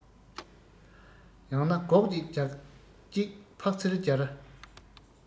ཡང ན སྒོག གཅིག རྒྱ སྐྱེགས ཕག ཚིལ སྦྱར